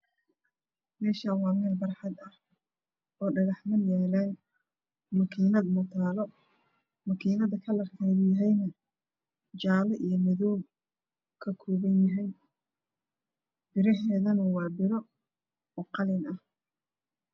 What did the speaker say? Meshan wameel barxad ah oo dhagaxmo yalaan makinata yalo makiinada kalarkeda yahay jaalo iyo madow kakoban yahay birahedana wabiro oqalin ah